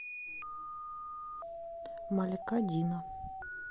малика дина